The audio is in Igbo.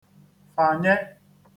fànye